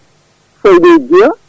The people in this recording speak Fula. fayi ɗo e Guiya